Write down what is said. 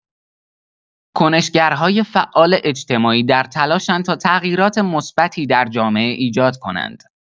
کنش‌گرهای فعال اجتماعی در تلاشند تا تغییرات مثبتی در جامعه ایجاد کنند.